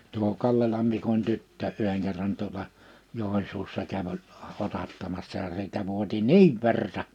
tuo Kallelan Mikon tyttö yhden kerran tuolla Joensuussa kävi oli otattamassa ja siltä vuoti niin verta